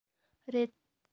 རེད